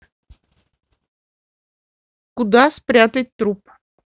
куда спрятать труп